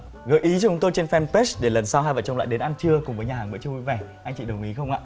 gợi ý cho chúng tôi trên phen pết để lần sau hai vợ chồng lại đến ăn trưa cùng với nhà hàng bữa trưa vui vẻ anh chị đồng ý không ạ